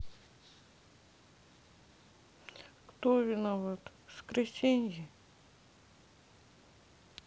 кто виноват воскресение